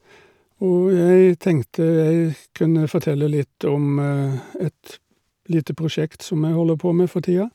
Og jeg tenkte jeg kunne fortelle litt om et lite prosjekt som jeg holder på med for tida.